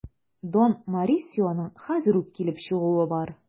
Дон Морисионың хәзер үк килеп чыгуы бар.